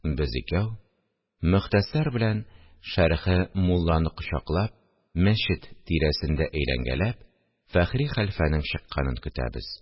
Без икәү, «Мохтәсар» белән «Шәрехе мулла»ны кочаклап, мәчет тирәсендә әйләнгәләп, Фәхри хәлфәнең чыкканын көтәбез